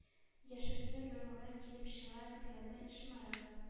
Яшүсмер бер малай килеп чыга дип яза ишморат,